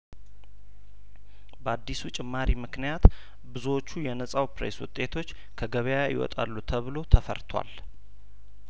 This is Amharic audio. በአዲሱ ጭማሪ ምክንያት ብዙዎቹ የነጻው ፕሬስ ውጤቶች ከገበያ ይወጣሉ ተብሎ ተፈርቷል